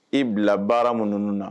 I bila baara minnu na